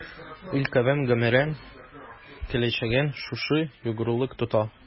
Ил-кавем гомерен, киләчәген шушы югарылык тота.